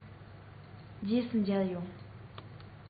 རྗེས སུ མཇལ ཡོང